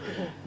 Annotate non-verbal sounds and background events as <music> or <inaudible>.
<hesitation> <hesitation>